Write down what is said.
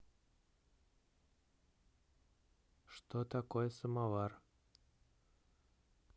что такое самовар